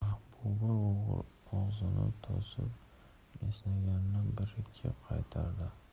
mahbuba og'zini to'sib esnog'ini bir ikki qaytardi